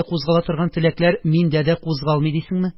Кузгала торган теләкләр миндә дә кузгалмый дисеңме?